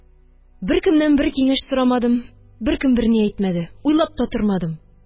Беркемнән бер киңәш сорамадым. Беркем берни өйрәтмәде. Уйлап та тормадым